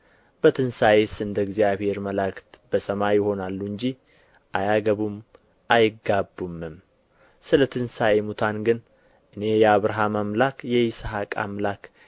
በትንሣኤስ እንደ እግዚአብሔር መላእክት በሰማይ ይሆናሉ እንጂ አያገቡም አይጋቡምም ስለ ትንሣኤ ሙታን ግን እኔ የአብርሃም አምላክ የይስሐቅም አምላክ